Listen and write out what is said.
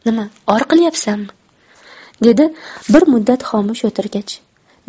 nima or qilyapsanmi dedi bir muddat xomush o'tirgach